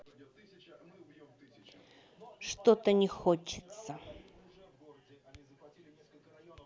что то не хочется